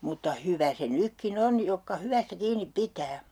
mutta hyvä se nytkin on jotka hyvästä kiinni pitää